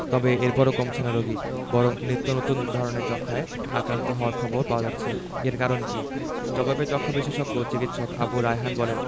তবে এরপরও কমছে না রোগী বরং নিত্যনতুন ধরনের যক্ষ্মায় আক্রান্ত হওয়ার খবর পাওয়া যাচ্ছে এর কারণ কী জবাবে যক্ষ্মা বিশেষজ্ঞ চিকিৎসক আবু রায়হান বলেন